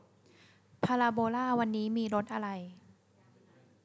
พาราโบลาวันนี้มีรสอะไร